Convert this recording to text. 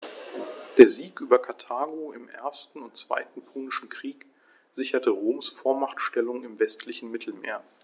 Der Sieg über Karthago im 1. und 2. Punischen Krieg sicherte Roms Vormachtstellung im westlichen Mittelmeer.